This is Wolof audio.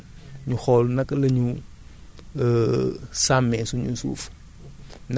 donc dafay jaadu ñun suñu réew ~yi ñi nga xamante ni ay pays en voie de développement lañu